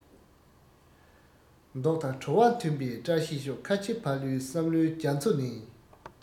མདོག དང བྲོ བ མཐུན པའི བཀྲ ཤིས ཤོག ཁ ཆེ ཕ ལུའི བསམ བློའི རྒྱ མཚོ ནས